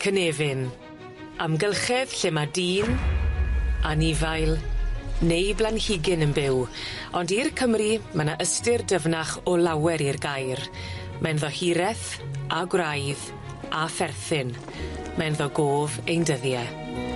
Cynefin, amgylchedd lle ma' dyn, anifail neu blanhigyn yn byw ond i'r Cymry, ma' 'ny ystyr dyfnach o lawer i'r gair mae ynddo hireth, a gwraidd, a pherthyn mae ynddo gof ein dyddie.